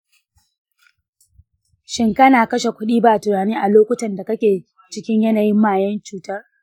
shin kana kashe kuɗi ba tunani a lokutan da kake cikin yanayin mayen cutar?